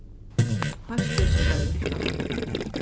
heimspekingar í grikkalandi